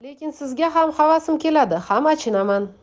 lekin sizga ham havasim keladi ham achinaman